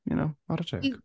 You know, not a joke.